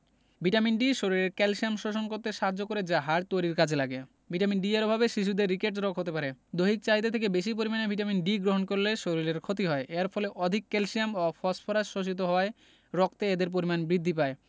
vitamin D শরীরে calcium শোষণ করতে সাহায্য করে যা হাড় তৈরীর কাজে লাগে ভিটামিন D এর অভাবে শিশুদের রিকেট রোগ হতে পারে দৈহিক চাহিদা থেকে বেশী পরিমাণে ভিটামিন D গ্রহণ করলে শরীরের ক্ষতি হয় এর ফলে অধিক ক্যালসিয়াম ও ফসফরাস শোষিত হওয়ায় রক্তে এদের পরিমাণ বৃদ্ধি পায়